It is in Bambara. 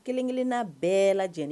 Kelen kelenna bɛɛ lajɛleneni